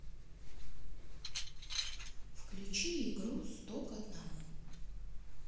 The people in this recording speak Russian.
включи игру сто к одному